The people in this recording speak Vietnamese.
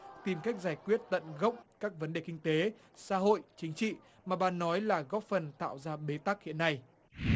tìm cách giải quyết tận gốc các vấn đề kinh tế xã hội chính trị mà bà nói là góp phần tạo ra bế tắc hiện nay